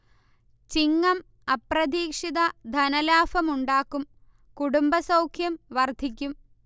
ചിങ്ങം അപ്രതീക്ഷിത ധനലാഭം ഉണ്ടാക്കും കുടുംബസൗഖ്യം വർധിക്കും